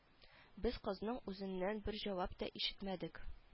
Без кызның үзеннән бер җавап та ишетмәдек